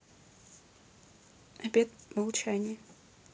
обет молчания